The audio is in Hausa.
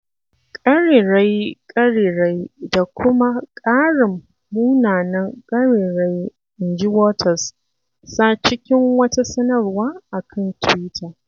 Ƙarerayi, ƙarerayi, da kuma ƙarin munanan ƙarerayi, inji Waters sa cikin wata sanarwa a kan Twitter.